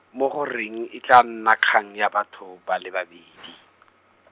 mo go reng e tla nna kgang ya batho ba le babedi.